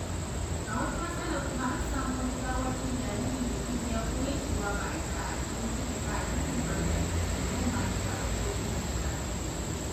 A wata matsalar kuma, an sami wata gawar ɗan jariri da cibiya ko yankewa ba a yi ba a cikin wata jaka a titin ƙarƙashin ƙasa na Yau Ma Tei wadda wata mai shara ta gani.